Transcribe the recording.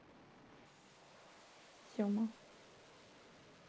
сема